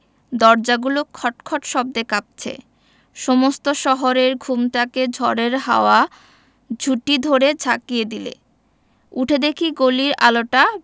দরজাগুলো খটখট শব্দে কাঁপছে সমস্ত শহরের ঘুমটাকে ঝড়ের হাওয়া ঝুঁটি ধরে ঝাঁকিয়ে দিলে উঠে দেখি গলির আলোটা